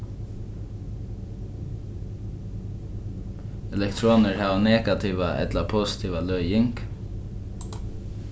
elektronir hava negativa ella positiva løðing